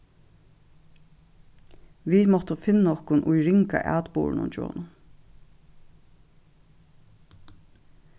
vit máttu finna okkum í ringa atburðinum hjá honum